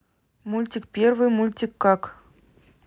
мультик первый мультик как